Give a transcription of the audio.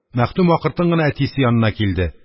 Мәхдүм акыртын гына әтисе янына килде.